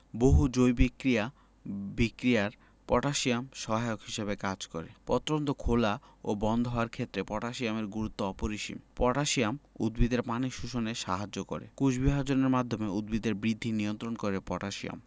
বহু জৈবিক ক্রিয়া বিক্রিয়ায় পটাশিয়াম সহায়ক হিসেবে কাজ করে পত্ররন্ধ্র খেলা এবং বন্ধ হওয়ার ক্ষেত্রে পটাশিয়ামের গুরুত্ব অপরিসীম পটাশিয়াম উদ্ভিদে পানি শোষণে সাহায্য করে কোষবিভাজনের মাধ্যমে উদ্ভিদের বৃদ্ধি নিয়ন্ত্রণ করে পটাশিয়াম